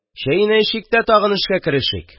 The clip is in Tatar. Чәйне эчик тә, тагын эшкә керешик...